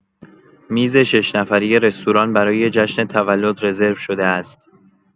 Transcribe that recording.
میز شش‌نفره رستوران برای جشن تولد رزرو شده است.